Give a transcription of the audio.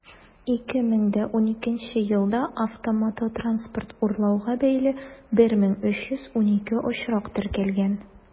2012 елда автомототранспорт урлауга бәйле 1312 очрак теркәлгән.